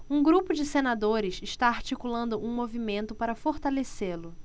um grupo de senadores está articulando um movimento para fortalecê-lo